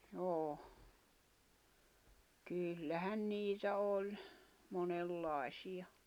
joo kyllähän niitä oli monenlaisia